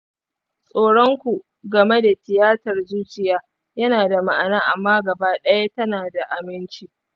tsoron ku game da tiyatar zuciya yana da ma'ana amma gaba ɗaya tana da aminci.